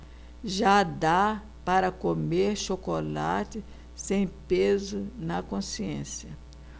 já dá para comer chocolate sem peso na consciência